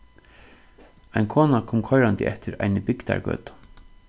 ein kona kom koyrandi eftir eini bygdagøtu